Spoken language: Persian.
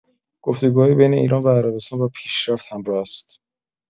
گفت‌وگوهای بین ایران و عربستان با پیشرفت همراه است.